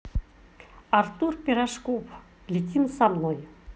артур пирожков летим со мной